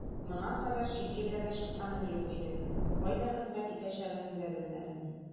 Моңа кадәр чит җирләргә чыкканым юк иде, кайда хезмәт итәчәгемне дә белмәдем.